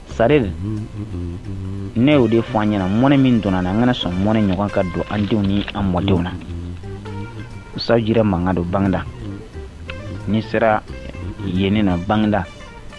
c'est à dire ne yo de fɔ an ɲɛna. Mɔnɛ min donna an na. An ka na sɔn mɔnɛ ɲɔgɔn ka don an denw nan mɔdenw na . Isa jire mankan don bangineda. Ni sera yen ni nɔ bagineda